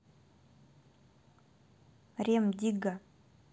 рем дигга